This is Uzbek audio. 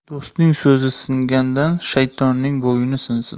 do'stning so'zi singandan shaytonning bo'yni sinsin